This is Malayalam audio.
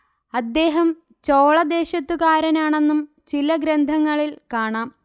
അദ്ദേഹം ചോള ദേശത്തുകാരനാണെന്നും ചില ഗ്രന്ഥങ്ങളിൽ കാണാം